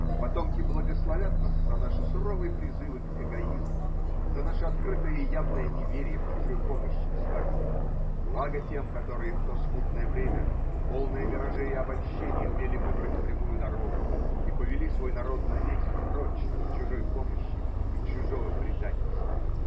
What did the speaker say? И потомки благословят нас за наши суровые призывы к эгоизму, за наше открытое и явное неверие в чужую помощь, и скажут: благо тем, которые в то смутное время, полное миражей и обольщений, умели выбрать прямую дорогу и повели свой народ навеки прочь от чужой помощи и чужого предательства.